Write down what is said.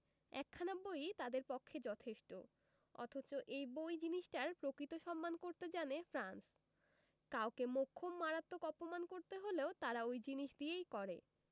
একখানা বই ই তাদের পক্ষে যথেষ্ট অথচ এই বই জিনিসটার প্রকৃত সম্মান করতে জানে ফ্রান্স কাউকে মোক্ষম মারাত্মক অপমান করতে হলেও তারা ওই জিনিস দিয়েই করে